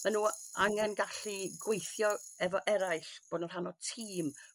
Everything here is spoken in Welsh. Ma' nw angen gallu gweithio efo eraill bo' nhw'n rhan o tîm.